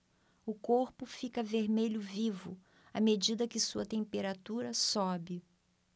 o corpo fica vermelho vivo à medida que sua temperatura sobe